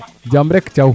jam rek Thiaw